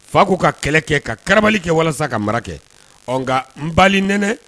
Fa k'u ka kɛlɛ kɛ ka karabali kɛ walasa ka mara kɛ nka n bali nɛnɛ